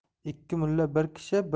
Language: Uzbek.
ikki mulla bir kishi